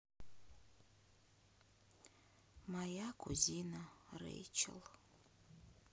моя кузина рэйчел